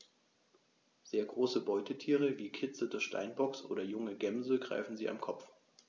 Sehr große Beutetiere wie Kitze des Steinbocks oder junge Gämsen greifen sie am Kopf.